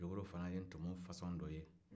yogoro fana ye tɔmɔ fasɔn dɔ ye